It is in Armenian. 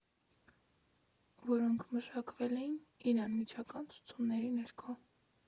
Որոնք մշակվել էին իր անմիջական ցուցումների ներքո։